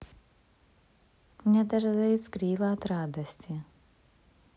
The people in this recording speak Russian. у меня даже заискрило от радости